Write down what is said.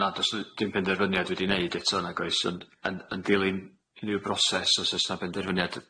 Wel na do's 'na ddim penderfyniad wedi'i neud eto nag oes ond yn yn dilyn unrhyw broses os o's 'na benderfyniad,